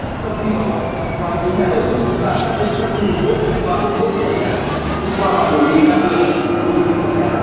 trong khi đó quái số nhà ở giúp chúng ta xác định các khu vực tốt và không tốt trong nhà thông qua bản đồ luồng năng lượng tức luồng khí trong nhà